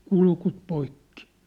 kurkut poikki